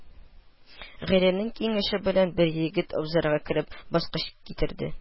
Гәрәйнең киңәше белән бер егет, абзарга кереп, баскыч китерде